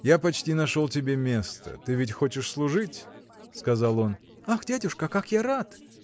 – Я почти нашел тебе место: ты ведь хочешь служить? – сказал он. – Ах, дядюшка, как я рад!